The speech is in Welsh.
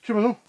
'Ce ma' n'w.